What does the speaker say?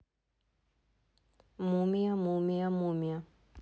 мумия мумия мумия